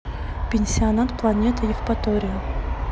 пансионат планета евпатория